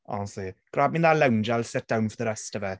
Honestly grab me that lounger. I'll sit down for the rest of it.